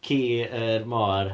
Ci yr môr.